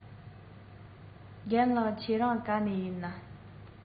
རྒན ལགས ཁྱེད རང ག ནས ཡིན ན